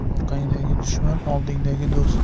orqangdagi dushman oldingdagi do'st